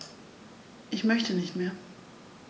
Ich möchte nicht mehr.